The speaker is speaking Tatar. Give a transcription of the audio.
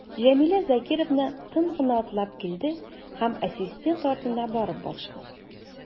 Җәмилә Закировна тын гына атлап килде һәм ассистент артына барып басты.